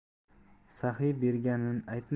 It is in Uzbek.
saxiy berganini aytmas